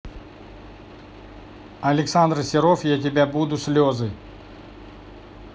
александр серов я тебя буду слезы